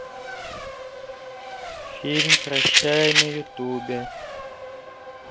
фильм прощай на ютубе